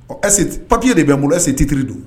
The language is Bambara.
Ɔ ɛse papiki de bɛ bolo se tettiriri don